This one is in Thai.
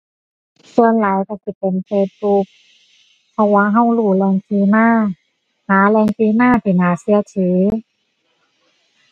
ส่วนหลายก็สิเป็น Facebook เพราะว่าก็รู้แหล่งที่มา หาแหล่งที่มาก็น่าก็ถือ